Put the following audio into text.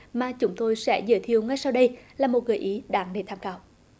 mà chúng tôi sẽ giới thiệu ngay sau đây là một gợi ý đáng để tham khảo